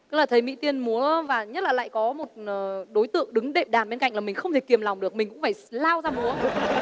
tức là thấy mỹ tiên múa và nhất là lại có một đối tượng đứng đệm đàn bên cạnh làm mình không thể kiềm lòng được mình cũng phải lao ra múa